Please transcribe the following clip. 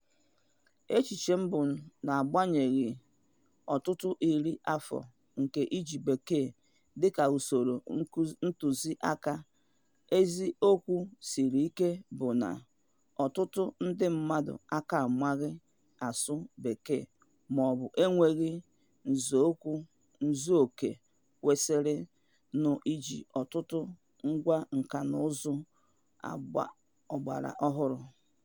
Echiche m bụ na n'agbanyeghị ọtụtụ iri afọ nke iji Bekee dị ka usoro ntụziaka, eziokwu siri ike bụ na ọtụtụ nde mmadụ aka maghị asụ Bekee maọbụ enweghị nzuoke kwesịrị nụ iji ọtụtụ ngwá nkànaụzụ ọgbaraọhụrụ.